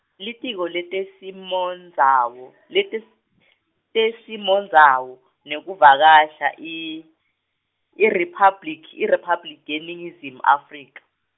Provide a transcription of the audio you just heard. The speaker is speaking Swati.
Litiko letesimondzawo letes- -tesimondzawo nekuVakasha i iRiphablik- IRiphabliki yeNingizimu Afrika.